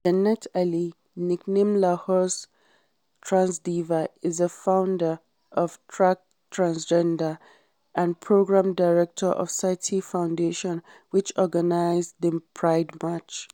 Jannat Ali, nicknamed Lahore's Trans Diva, is the founder of Track Transgender and Program Director of Sathi Foundation which organized the Pride March.